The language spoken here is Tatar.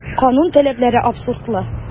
Канун таләпләре абсурдлы.